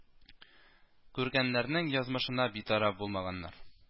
Күргәннәрнең язмышына битараф булмаганнар